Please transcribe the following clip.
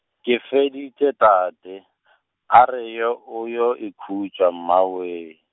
ke feditše tate, a re ye o yo ikhutša, mmawee.